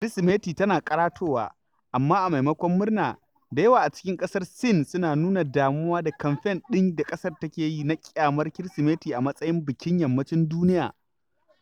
Kirsimeti tana ƙaratowa amma a maimakon murna, da yawa a cikin ƙasar Sin suna nuna damuwa da kamfen ɗin da ƙasar take yi na ƙyamar Kirsimeti a matsayin bikin Yammacin duniya.